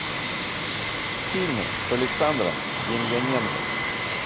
фильмы с александром демьяненко